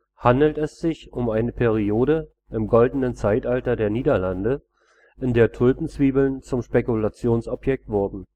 handelt es sich um eine Periode im Goldenen Zeitalter der Niederlande, in der Tulpenzwiebeln zum Spekulationsobjekt wurden